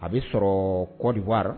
A bɛ sɔrɔ Kondowari